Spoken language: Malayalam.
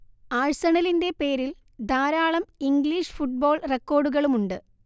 ആഴ്സണലിന്റെ പേരിൽ ധാരാളം ഇംഗ്ലീഷ് ഫുട്ബോൾ റെക്കോർഡുകളുമുണ്ട്